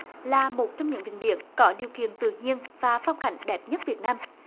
là một trong những vùng biển có điều kiện tự nhiên và phong cảnh đẹp nhất việt nam